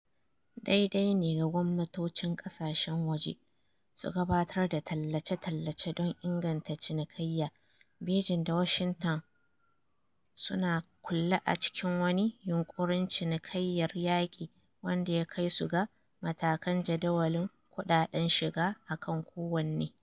Daidai ne ga gwamnatocin kasashen waje su gabatar da tallace-tallace don inganta cinikayya, Beijing da Washington su na kulle a cikin wani yunkurin cinikayyar yaki wanda ya kai su ga matakan jadawalin kudaden shiga akan kowane.